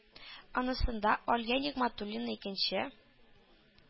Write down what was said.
Анысында Алия Нигъмәтуллина - икенче,